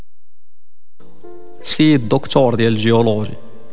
سيد دكتور